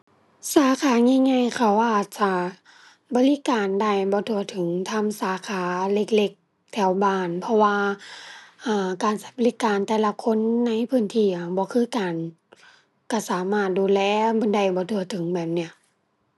สาขาใหญ่ใหญ่เขาอาจจะบริการได้บ่ทั่วถึง ส่ำสาขาเล็กเล็กแถวบ้าน เพราะว่า อ่า การใช้บริการแต่ละคนในพื้นที่อะ บ่คือกัน ใช้สามารถดูแลบ่ได้ บ่ทั่วถึงแบบเนี้ย